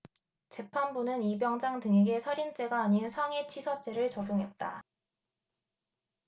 재판부는 이 병장 등에게 살인죄가 아닌 상해치사죄를 적용했다